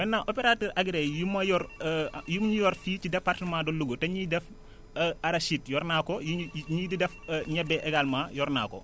maintenant opérater agréé yi ma yor yi ñu yor fii ci département de Louga te ñuy def arachide yor naa ko yi ñu ñii di def ñebe également yor naa ko